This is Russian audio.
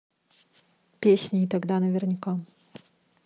песня и тогда наверняка